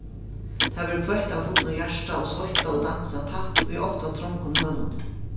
tað verður kvøtt av fullum hjarta og sveittað og dansað tætt í ofta trongum hølum